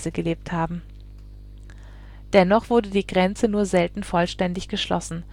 gelebt haben. Dennoch wurde die Grenze nur selten vollständig geschlossen